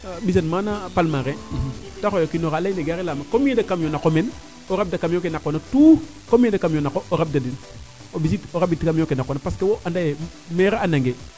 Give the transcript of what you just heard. a mbisan maana Palmarin te xooyo kiinoxe a ley ne gari leyaam combien de camion naqo meen o rabda camion ke naqoona tout combien de camion naqo o rabda den o mbissid o rabda camion ke naqoona parce que wo andaa ye maire a anda nge